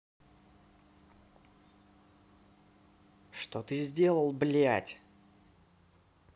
что сделали блядь